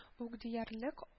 Ук диярлек